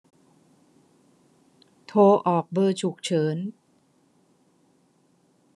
โทรออกเบอร์ฉุกเฉิน